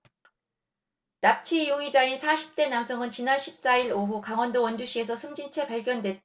납치 용의자인 사십 대 남성은 지난 십 사 일 오후 강원도 원주시에서 숨진채 발견됐다